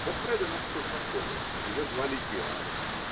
Гоффредо нас познакомил, ее звали Диана